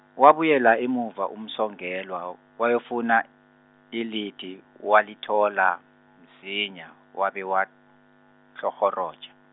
wabuyela emuva uMsongelwa, wayofuna, ilithi walithola, msinya, wabe watlhorhoroja.